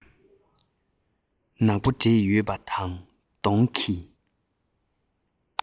ནག པོ འདྲེས ཡོད པ དང གདོང ནི